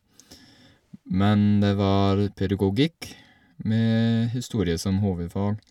Men det var pedagogikk med historie som hovedfag.